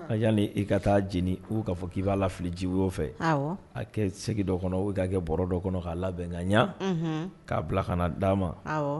A yani i ka taa jeni u ka fɔ ki ba lafili jiwoyo fɛ, a kɛ segi dɔ kɔnɔ u ka kɛ bɔrɔ dɔ kɔnɔ ka labɛn ka ɲɛ ka bila kana da ma